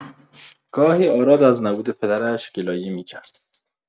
گاهی آراد از نبود پدرش گلایه می‌کرد.